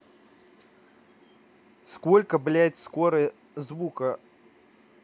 сколько блядь скоро звука